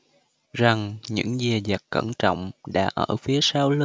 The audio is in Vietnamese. rằng những dè dặt cẩn trọng đã ở phía sau lưng